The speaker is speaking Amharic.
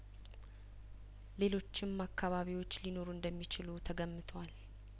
ሌሎችም አካባቢዎች ሊኖሩ እንደሚችሉ ተገምቷል